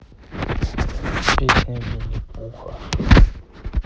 песня винни пуха